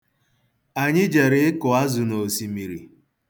Anyị jere ịkụ azụ n'osimiri.